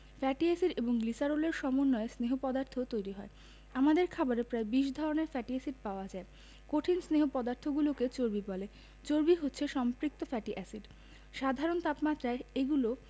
fatty acid এবং গ্লিসারলের সমন্বয়ে স্নেহ পদার্থ তৈরি হয় আমাদের খাবারে প্রায় ২০ ধরনের ফ্যাটি এসিড পাওয়া যায় কঠিন স্নেহ পদার্থগুলোকে চর্বি বলে চর্বি হচ্ছে সম্পৃক্ত ফ্যাটি এসিড সাধারণ তাপমাত্রায় এগুলো